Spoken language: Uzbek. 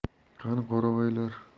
qani qoravoylar